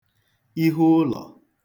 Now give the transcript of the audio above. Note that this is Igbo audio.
ihu ụlọ̄